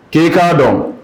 K'e k'a dɔn